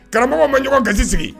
Karamɔgɔ ma ɲɔgɔn kasi sigi